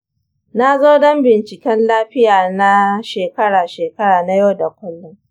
na zo don binciken lafiya na shekara-shekara na yau da kullum.